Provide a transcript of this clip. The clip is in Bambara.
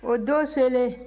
o don selen